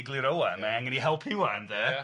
Mae angen ei help hi ŵan de... Ia.